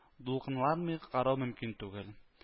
Дулкынланмый карау мөмкин түгел